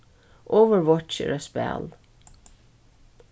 overwatch er eitt spæl